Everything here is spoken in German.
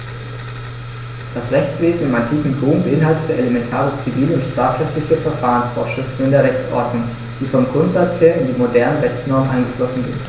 Das Rechtswesen im antiken Rom beinhaltete elementare zivil- und strafrechtliche Verfahrensvorschriften in der Rechtsordnung, die vom Grundsatz her in die modernen Rechtsnormen eingeflossen sind.